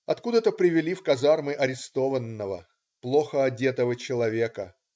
Откуда-то привели в казармы арестованного, плохо одетого человека.